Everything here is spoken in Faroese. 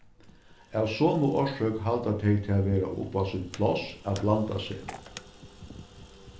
av somu orsøk halda tey tað vera upp á sítt pláss at blanda seg